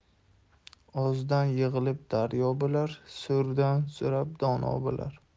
ozdan yig'ilib daryo bo'lar so'rab so'rab dono bo'lar